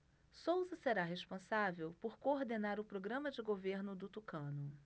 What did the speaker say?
souza será responsável por coordenar o programa de governo do tucano